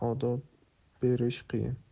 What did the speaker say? odob berish qiyin